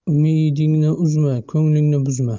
umidingni uzma ko'nglingni buzma